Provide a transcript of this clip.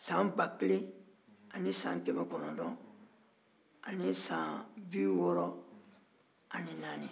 san bakelen ani san kɛmɛ kɔnɔntɔ ani san bi wɔɔrɔ ani naani